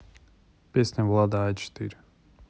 песня влада а четыре